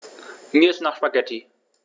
Mir ist nach Spaghetti.